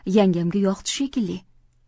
yangamga yoqdi shekilli